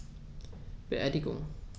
Beerdigung